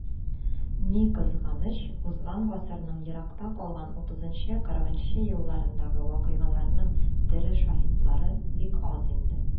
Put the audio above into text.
Ни кызганыч, узган гасырның еракта калган 30-40 нчы елларындагы вакыйгаларның тере шаһитлары бик аз инде.